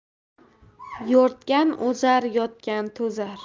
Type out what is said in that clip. yo'rtgan o'zar yotgan to'zar